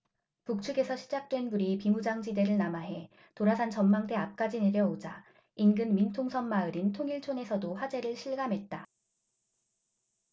북측에서 시작된 불이 비무장지대를 남하해 도라산전망대 앞까지 내려오자 인근 민통선마을인 통일촌에서도 화재를 실감했다